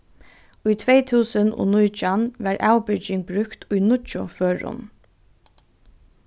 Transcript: í tvey túsund og nítjan varð avbyrging brúkt í níggju førum